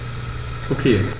Okay.